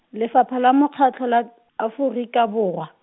Lefapha la Makgetho la, Aforika Borwa.